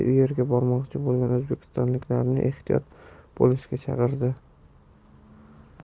u yerga bormoqchi bo'lgan o'zbekistonliklarni ehtiyot bo'lishga chaqirgan